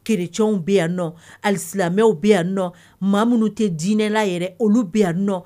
Kerecɛnw bɛ yan nɔ ali silamɛmɛw bɛ yan nɔ maa minnu tɛ dinɛla yɛrɛ olu bɛ yan nɔ